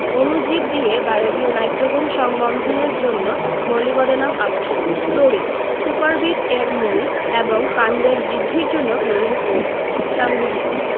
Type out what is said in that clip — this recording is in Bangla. অণুজীব দিয়ে বায়বীয় নাইট্রোজেন সংবন্ধনের জন্য মোলিবডেনাম আবশ্যক ক্লোরিন সুপারবিট এর মূল এবং কাণ্ডের বৃদ্ধির জন্য ক্লোরিন প্রয়োজন সংগৃহীত